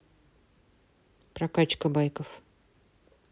прокачка байков